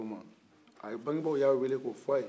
a bangebaw y'a wele ko f'ɔ ye